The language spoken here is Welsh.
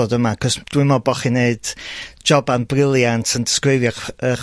ddod yma 'c'os dwi me'l o bo' chi neud joban briliant yn disgrifio'ch 'ych